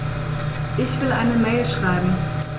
Ich will eine Mail schreiben.